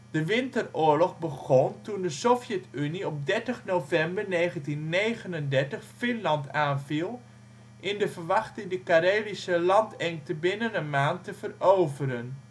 De winteroorlog begon toen de Sovjet-Unie op 30 november 1939 Finland aanviel in de verwachting de Karelische landengte binnen een maand te veroveren. De